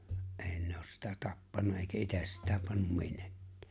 ei ne ole sitä tappanut eikä itse sitä pannut minnekään